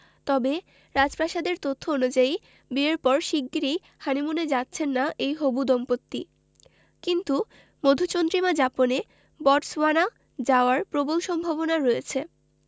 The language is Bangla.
তবে রাজপ্রাসাদের তথ্য অনুযায়ী বিয়ের পর শিগগিরই হানিমুনে যাচ্ছেন না এই হবু দম্পতি কিন্তু মধুচন্দ্রিমা যাপনে বটসওয়ানা যাওয়ার প্রবল সম্ভাবনা রয়েছে